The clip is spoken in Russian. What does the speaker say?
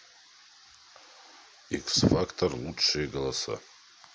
x factor лучшие голоса